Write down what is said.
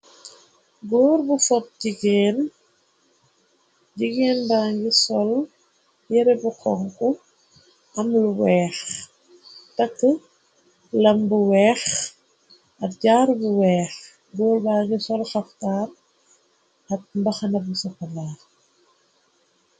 Góor bu fop jigeen, jigéen ba ngi sol yere bu xonku amlu weex, takk lam bu weex at jaar bu weex. Góor baa ngi sol xaftaan ak mbaxana bu sokola.